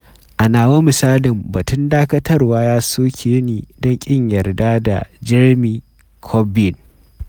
A nawa misalin, batun dakatarwar ya soke ni don ƙin yarda da Jeremy Corbyn.